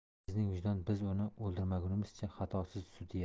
bizning vijdon biz uni o'ldirmagunimizcha xatosiz sudya